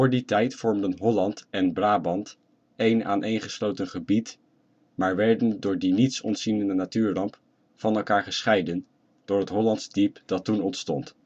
die tijd vormden Holland en Brabant één aaneengesloten gebied, maar werden door die niets ontziende natuurramp van elkaar gescheiden door het Hollands Diep dat toen ontstond